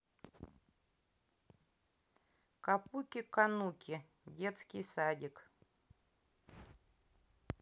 капуки кануки детский садик